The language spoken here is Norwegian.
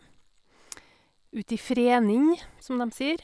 Uti Fræni, som dem sier.